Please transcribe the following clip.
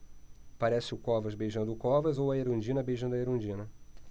parece o covas beijando o covas ou a erundina beijando a erundina